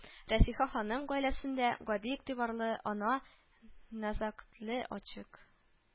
Рәсиха ханым гаиләсендә гади, игътибарлы ана, нәзакәтле, ачык